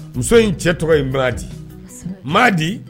Muso in cɛ tɔgɔ in' di ma di